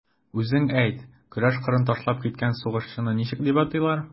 Үзең әйт, көрәш кырын ташлап киткән сугышчыны ничек дип атыйлар?